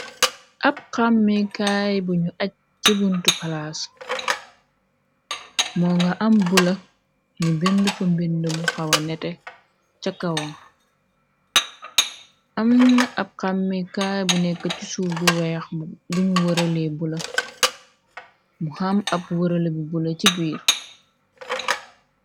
Ab xamekaay buñu aj ci buntu palaas, moo nga am bula, ni bind fa mbind mu xawa nete ca kawan, amna ab xammi kaay bu nekk ci suuf bu weex buñu wëralee bula, mu ham ab wërale bi bula ci biir.